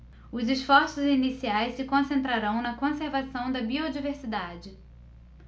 os esforços iniciais se concentrarão na conservação da biodiversidade